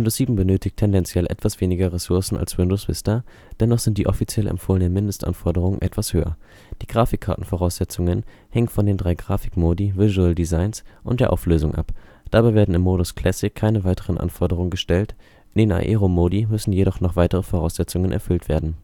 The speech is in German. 7 benötigt tendenziell etwas weniger Ressourcen als Windows Vista, dennoch sind die offiziell empfohlenen Mindestanforderungen etwas höher. Die Grafikkarten-Voraussetzungen hängen von den drei Grafikmodi (Visual-Designs) und der Auflösung ab. Dabei werden im Modus „ Classic “keine weiteren Anforderungen gestellt, in den Aero-Modi müssen jedoch noch weitere Voraussetzungen erfüllt werden